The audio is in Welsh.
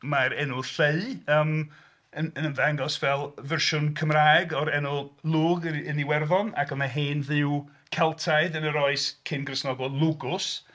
Mae'r enw Lleu yym yn... yn ymddangos fel fersiwn Cymraeg o'r enw Lugh yn Iwerddon, ac oedd 'na hen dduw Celtaidd yn yr oes cyn-Gristnogol Lugus.